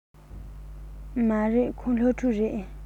མ རེད ཁོང སློབ ཕྲུག རེད